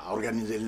K niz